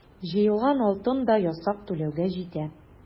Җыелган алтын да ясак түләүгә китә.